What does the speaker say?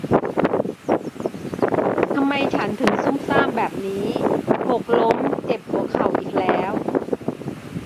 ทำไมฉันถึงซุ่มซ่ามแบบนี้หกล้มเจ็บหัวเข่าอีกแล้ว